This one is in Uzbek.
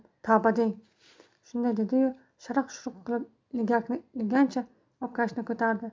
tavba deng shunday dediyu sharaq shuruq qilib ilgakni ilgancha obkashni ko'tardi